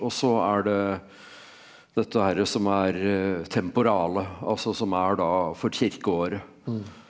og så er det dette herre som er altså som er da for kirkeåret.